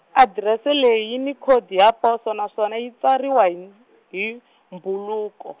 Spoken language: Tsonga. adirese leyi yi ni khodi ya poso naswona yi tsariwa hi , hi mbhuluko.